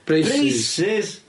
Braces. Braces!